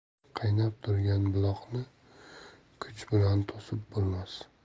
qaynab turgan buloqni kuch bilan to'sib bo'lmas